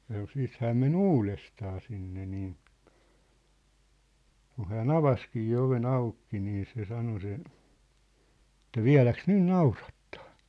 sanoi sitten hän meni uudestaan sinne niin kun hän avasikin oven auki niin se sanoi se että vieläkö nyt naurattaa